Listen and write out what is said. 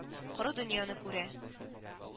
– коры дөньяны күрә